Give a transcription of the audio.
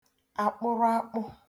àkpụraakpụ